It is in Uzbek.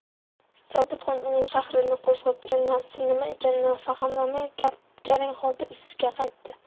sobitxon uning qahrini qo'zg'otgan narsa nima ekanini fahmlamay garang holda iziga qaytdi